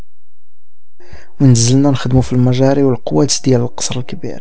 نزلنا الخدمه في المجاري والكويتيه القصر